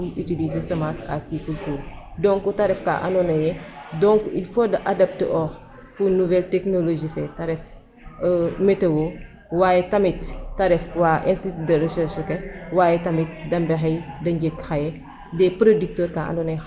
Waye tamit ta ref wa institut de recherche ke waye tamit da mbexey da njik xaye des producteur ka andoona yee xan a mbaag o démultiplier a semence ke dans la zone ba andoona yee xaye xan qooxoox we a mbaag o autonome rawatina rew we .